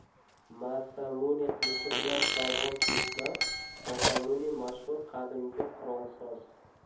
masamune qilichi bilan sholg'om kesma masamune mashhur qadimgi qurolsoz